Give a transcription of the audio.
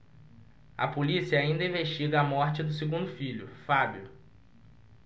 a polícia ainda investiga a morte do segundo filho fábio